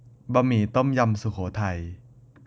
บะหมี่ต้มยำสุโขทัย